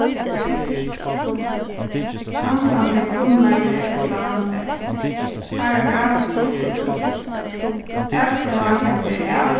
manglandi kunnleiki ella handfaring paragraff áttaogtrýss akstovan kann gera av